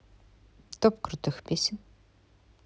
топ крутых песен